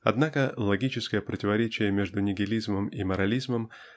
Однако логическое противоречие между нигилизмом и морализмом